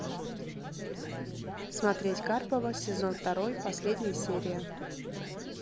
смотреть карпова сезон второй последняя серия